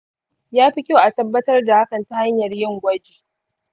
ya fi kyau a tabbatar da hakan ta hanyar yin gwaji.